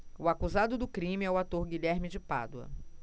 o acusado do crime é o ator guilherme de pádua